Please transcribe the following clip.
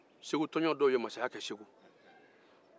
tɔnjɔn dɔw ye masaya kɛ segu